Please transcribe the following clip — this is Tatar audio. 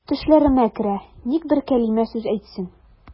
Төшләремә керә, ник бер кәлимә сүз әйтсен.